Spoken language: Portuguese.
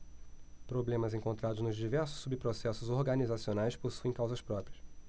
problemas encontrados nos diversos subprocessos organizacionais possuem causas próprias